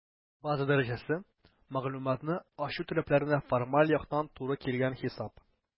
«база дәрәҗәсе» - мәгълүматны ачу таләпләренә формаль яктан туры килгән хисап.